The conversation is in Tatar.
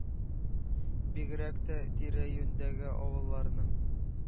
Бигрәк тә тирә-юньдәге авылларның